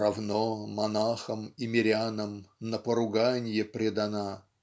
"равно монахам и мирянам на поруганье предана".